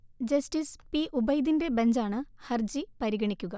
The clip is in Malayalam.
ജസ്റ്റിസ് പി ഉബൈദിന്റെ ബഞ്ചാണ് ഹർജി പരിഗണിക്കുക